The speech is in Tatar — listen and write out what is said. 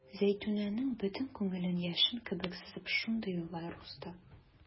Зәйтүнәнең бөтен күңелен яшен кебек сызып шундый уйлар узды.